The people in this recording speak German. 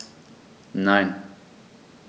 Nein.